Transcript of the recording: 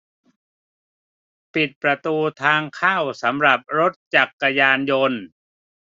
ปิดประตูทางเข้าสำหรับรถจักรยานยนต์